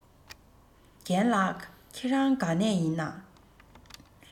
རྒན ལགས ཁྱེད རང ག ནས ཡིན ན